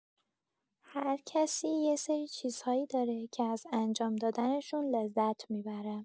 هرکسی یه سری چیزهایی داره که از انجام دادنشون لذت می‌بره.